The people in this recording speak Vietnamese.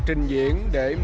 trình diễn để